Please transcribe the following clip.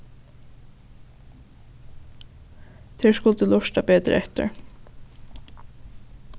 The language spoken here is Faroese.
tær skuldu lurta betur eftir